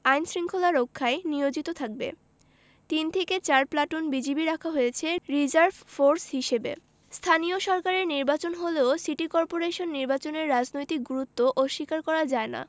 আইন শৃঙ্খলা রক্ষায় নিয়োজিত থাকবে তিন থেকে চার প্লাটুন বিজিবি রাখা হয়েছে রিজার্ভ ফোর্স হিসেবে স্থানীয় সরকারের নির্বাচন হলেও সিটি করপোরেশন নির্বাচনের রাজনৈতিক গুরুত্ব অস্বীকার করা যায় না